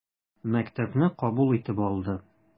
Мәктәпне кабул итеп алды.